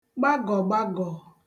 gbagọ̀gbagọ̀